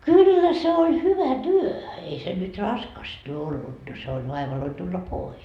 kyllä se oli hyvä työ ei se nyt raskasta ollut no se oli vaivalloinen tulla pois